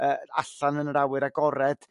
Yrr allan yn yr awyr agored.